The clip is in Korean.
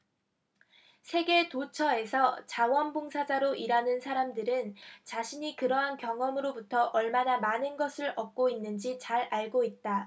세계 도처에서 자원 봉사자로 일하는 사람들은 자신이 그러한 경험으로부터 얼마나 많은 것을 얻고 있는지 잘 알고 있다